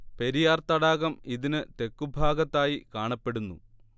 പെരിയാർ തടാകം ഇതിന് തെക്കു ഭാഗത്തായി കാണപ്പെടുന്നു